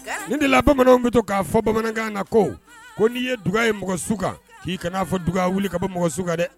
Nin de la bamanan bɛ to k'a fɔ bamanankan kan ko ko n'i ye dug ye mɔgɔ su kan k'i kanaa fɔ dug wuli ka bɔ mɔgɔ su kan dɛ